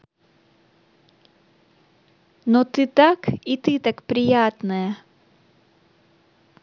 но ты так и ты так приятная